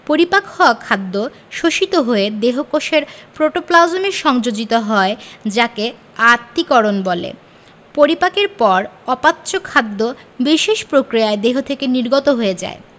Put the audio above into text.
পরিপাক হওয়া খাদ্য শোষিত হয়ে দেহকোষের প্রোটোপ্লাজমে সংযোজিত হয় যাকে আত্তীকরণ বলে পরিপাকের পর অপাচ্য খাদ্য বিশেষ প্রক্রিয়ায় দেহ থেকে নির্গত হয়ে যায়